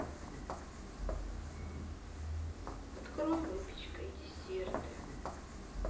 открой выпечка и десерты